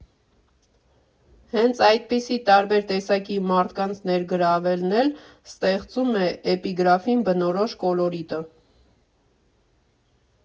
Հենց այդպիսի տարբեր տեսակի մարդկանց ներգրավելն էլ ստեղծում է «Էպիգրաֆին» բնորոշ կոլորիտը։